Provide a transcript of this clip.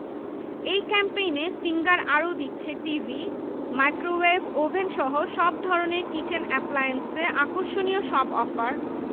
এই ক্যাম্পেইনে সিঙ্গার আরো দিচ্ছে টিভি মাইক্রোওয়েভ ওভেনসহ সব ধরনের কিচেন অ্যাপ্লায়েন্সে আকর্ষণীয় সব অফার